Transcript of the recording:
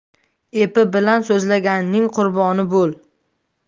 epi bilan so'zlaganning qurboni bo'l